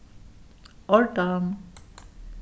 ordan